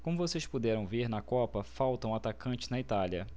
como vocês puderam ver na copa faltam atacantes na itália